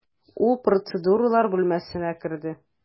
Ул процедуралар бүлмәсенә керде.